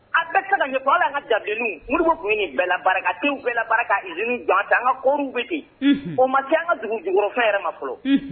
A bɛɛ tɛ se ka ɲɛfɔ, hali an ka dabilenin Modibo tun ye nin bɛɛ la labaara ka ew bɛɛ labaara ka usine jɔ an f en, k'an ka kɔɔriw bɛ ten, unhun, o ma se an ka dugu jukɔrɔfɛn yɛrɛ ma fɔlɔ, unhun!